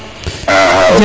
axa